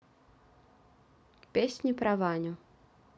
песни про ваню